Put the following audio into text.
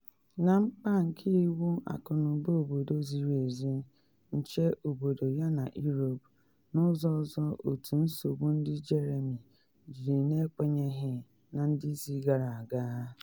Na mkpa nke iwu akụnụba obodo ziri ezi, nche obodo, yana Europe, n’ụzọ ọzọ otu nsogbu ndị Jeremy jiri na ekwenyeghị na ndị isi gara aga.